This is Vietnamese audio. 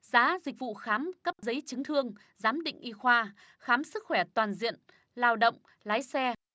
giá dịch vụ khám cấp giấy chứng thương giám định y khoa khám sức khỏe toàn diện lao động lái xe